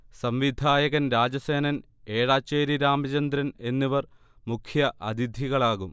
സംവിധായകൻ രാജസേനൻ, ഏഴാച്ചേരി രാമചന്ദ്രൻ എന്നിവർ മുഖ്യഅഥിതികളാകും